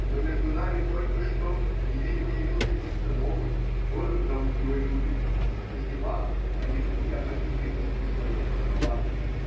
Но между нами только что невидимо явился некто новый, годом зовут его люди, и не вам, а ему я хочу принести свое пожелание.